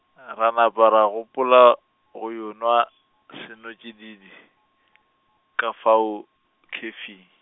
ra napa ra gopola, go yo nwa, senotšididi , ka fao khefi.